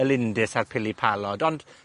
y lindys, a'r pilipalod, ond